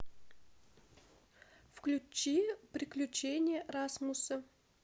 включи приключения расмуса